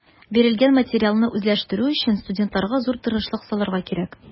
Бирелгән материалны үзләштерү өчен студентларга зур тырышлык салырга кирәк.